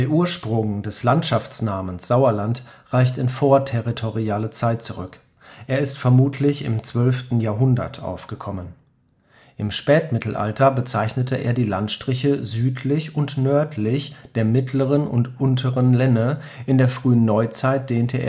Ursprung des Landschaftsnamens Sauerland reicht in vorterritoriale Zeit zurück; er ist vermutlich im 12. Jahrhundert aufgekommen. Im Spätmittelalter bezeichnete er die Landstriche südlich und nördlich der mittleren und unteren Lenne, in der frühen Neuzeit dehnte